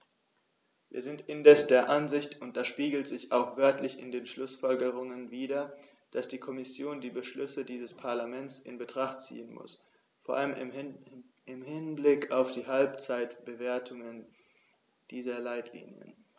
Wir sind indes der Ansicht und das spiegelt sich auch wörtlich in den Schlussfolgerungen wider, dass die Kommission die Beschlüsse dieses Parlaments in Betracht ziehen muss, vor allem im Hinblick auf die Halbzeitbewertung dieser Leitlinien.